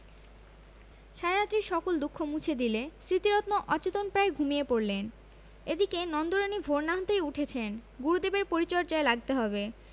সারারাত্রির সকল দুঃখ মুছে দিলে স্মৃতিরত্ন অচেতনপ্রায় ঘুমিয়ে পড়লেন এদিকে নন্দরানী ভোর না হতেই উঠেছেন গুরুদেবের পরিচর্যায় লাগতে হবে